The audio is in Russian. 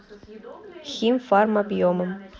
хим фарм объемом